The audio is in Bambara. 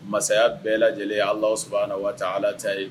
Masaya bɛɛ lajɛ lajɛlen' la saba waa ala caya ye